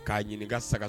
K'a ɲininka saga